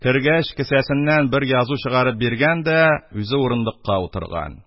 Кергәч, кесәсеннән бер язу чыгарып биргән дә үзе урындыкка утырган.